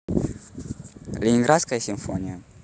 ленинградская симфония